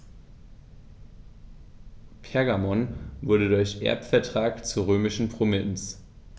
Pergamon wurde durch Erbvertrag zur römischen Provinz.